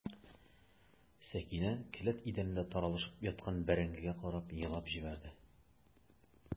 Сәкинә келәт идәнендә таралышып яткан бәрәңгегә карап елап җибәрде.